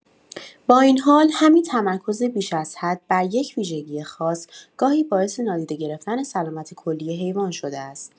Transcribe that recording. با این حال، همین تمرکز بیش از حد بر یک ویژگی خاص، گاهی باعث نادیده گرفتن سلامت کلی حیوان شده است.